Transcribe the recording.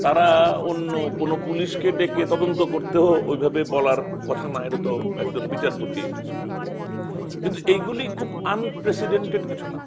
তারা অন্য কোন পুলিশকে ডেকে তদন্ত করতে ওই ভাবে বলার কথা নয় এটা তো একদম বিচারপতি সুপ্রিম কোর্টের কিন্তু এই গুলি খুব আনপ্রেসিডেন্টেড কিছু না